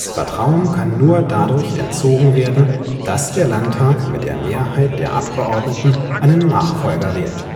Vertrauen kann nur dadurch entzogen werden, dass der Landtag mit der Mehrheit der Abgeordneten einen Nachfolger wählt